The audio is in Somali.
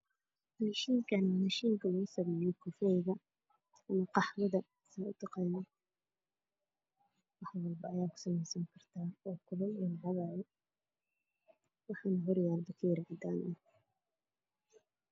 Lix miis I lix dhalo io miisaska saaran io dhikumentiyadiisa